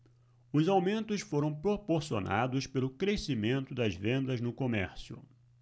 os aumentos foram proporcionados pelo crescimento das vendas no comércio